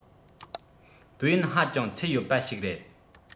དུས ཡུན ཧ ཅང ཚད ཡོད པ ཞིག རེད